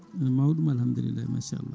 mawɗum alahamdulilla machallah